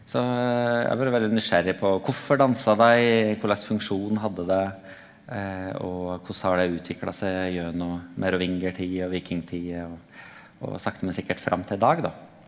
så eg har vore veldig nysgjerrig på kvifor dansa dei, korleis funksjon hadde det og korleis har det utvikla seg gjennom merovingertid og vikingtid og og sakte men sikkert fram til dag da.